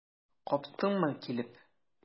Каптыңмы килеп?